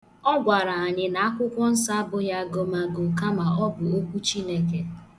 O gwara anyị na akwụkwọnsọ abụghị agụmagụ kama ọ bụ okwu Chineke.